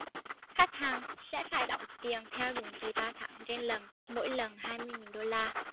khách hàng sẽ phải đóng tiền theo định kỳ ba tháng trên lần mỗi lần hai mươi nghìn đô la